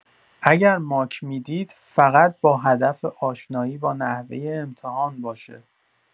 اگر ماک می‌دید فقط با هدف آشنایی با نحوه امتحان باشه